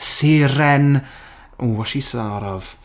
Seren... oh whats she star of?